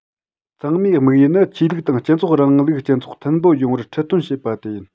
ཚང མའི དམིགས ཡུལ ནི ཆོས ལུགས དང སྤྱི ཚོགས རིང ལུགས སྤྱི ཚོགས མཐུན པོ ཡོང བར ཁྲིད སྟོན བྱེད པ དེ ཡིན